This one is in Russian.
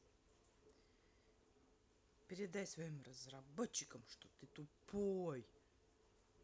передай своим разработчикам что ты тупой